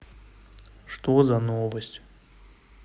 что за новость